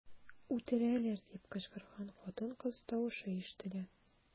"үтерәләр” дип кычкырган хатын-кыз тавышы ишетелә.